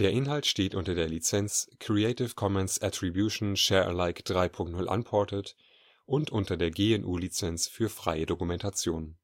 Inhalt steht unter der Lizenz Creative Commons Attribution Share Alike 3 Punkt 0 Unported und unter der GNU Lizenz für freie Dokumentation